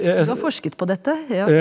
du har forsket på dette ja.